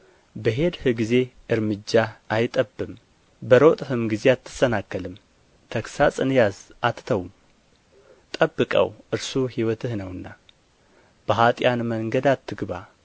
በሄድህ ጊዜ እርምጃህ አይጠብብም በሮጥህም ጊዜ አትሰናከልም ተግሣጽን ያዝ አትተውም ጠብቀው እርሱ ሕይወትህ ነውና በኃጥኣን መንገድ አትግባ